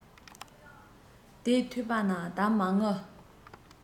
དེས ཐོས པ ན ད མ ངུ